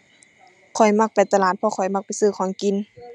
ข้อยมักไปตลาด เพราะข้อยมักไปซื้อของกิน